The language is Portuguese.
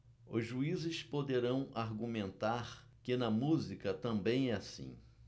os juízes poderão argumentar que na música também é assim